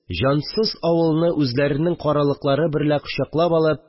Җансыз авылны үзләренең каралыклары берлә кочаклап алып